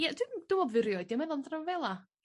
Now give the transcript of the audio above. Ia dwi'm dwi me'wl bo' fi erioed 'di meddwl amdano fel 'a.